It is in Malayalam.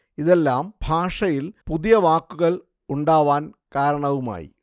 ഇതെല്ലാം ഭാഷയിൽ പുതിയ വാക്കുകൾ ഉണ്ടാവാൻ കാരണവുമായി